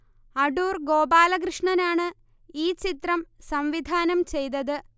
അടൂർ ഗോപാലകൃഷ്ണനാണ് ഈ ചിത്രം സംവിധാനം ചെയ്തത്